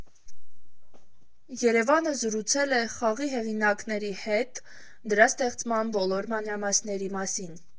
ԵՐԵՎԱՆԸ ը զրուցել է խաղի հեղինակների հետ՝ դրա ստեղծման բոլոր մանրամասների մասին։